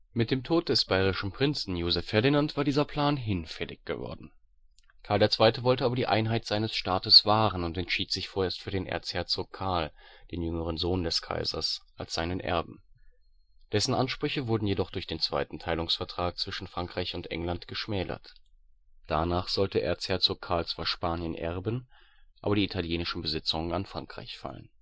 Mit dem Tod des bayerischen Prinzen Joseph-Ferdinand war dieser Plan hinfällig geworden. Karl II. wollte aber die Einheit seines Staates wahren und entschied sich vorerst für den Erzherzog Karl – den jüngeren Sohn des Kaisers – als seinen Erben. Dessen Ansprüche wurden jedoch durch den 2. Teilungsvertrag zwischen Frankreich und England geschmälert. Danach sollte Erzherzog Karl zwar Spanien erben, aber die italienischen Besitzungen an Frankreich fallen